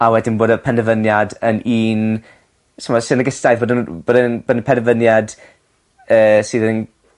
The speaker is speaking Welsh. a wedyn bod y penderfyniad yn un s'mo' sy'n ogystal i fod yn bod e'n ben- penerfyniad yy sydd yn